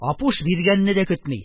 Апуш биргәнне дә көтми,